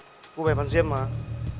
cô bé bán diêm mà